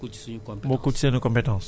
pêche ñett yooyu daal ñoom ñoom